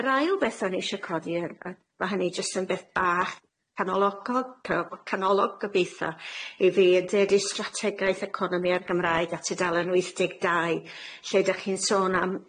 Yr ail beth o'n i isio codi yy yy ma' hynny jyst yn beth bach canologog canolog gobeitho i fi ydi ydi strategaeth economi a'r Gymraeg ar tudalen wyth deg dau lle dych chi'n sôn am